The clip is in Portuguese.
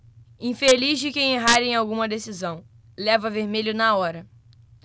infeliz de quem errar em alguma decisão leva vermelho na hora